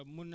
waaw